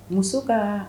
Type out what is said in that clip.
Muso ka